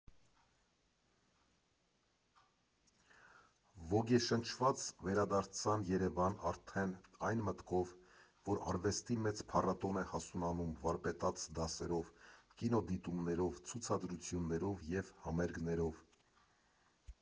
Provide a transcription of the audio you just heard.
Ոգեշնչված վերադարձան Երևան արդեն այն մտքով, որ արվեստի մեծ փառատոն է հասունանում՝ վարպետաց դասերով, կինոդիտումներով, ցուցադրություններով և համերգներով։